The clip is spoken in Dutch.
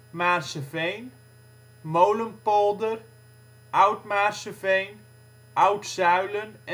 Maarsseveen, Molenpolder, Oud-Maarsseveen, Oud-Zuilen